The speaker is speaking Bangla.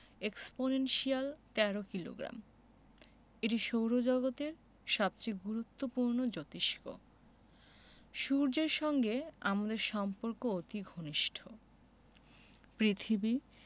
এক্সপনেনশিয়াল ১৩ কিলোগ্রাম এটি সৌরজগতের সবচেয়ে গুরুত্বপূর্ণ জোতিষ্ক সূর্যের সঙ্গে আমাদের সম্পর্ক অতি ঘনিষ্ট পৃথিবী